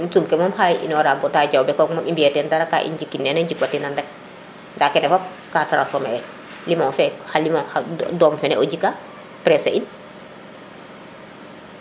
suum ke moom o xay inora bota jawbe kaga moom i mbiye teen dara ka i njikin nene njikwa tinan rek nda kene fop ka transfomer el limon fe xa limo doom fen o jika presser in